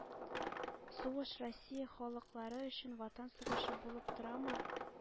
“сугыш россия халыклары өчен ватан сугышы булып торамы?”